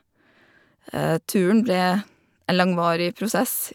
Turen ble en langvarig prosess.